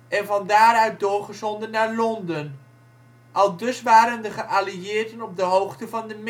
en van daaruit doorgezonden naar Londen. Aldus waren de geallieerden op de hoogte van de